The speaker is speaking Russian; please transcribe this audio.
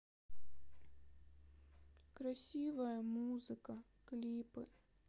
красивая музыка клипы